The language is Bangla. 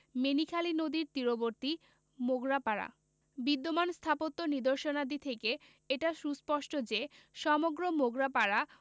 মেনিখালী নদীর তীরবর্তী মোগরাপাড়া বিদ্যমান স্থাপত্য নিদর্শনাদি থেকে এটা সুস্পষ্ট যে সমগ্র মোগরাপাড়া